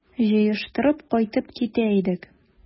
Җыештырып кайтып китә идек...